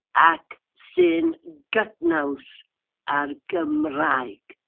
Ac sy'n gydnaws â'r Gymraeg.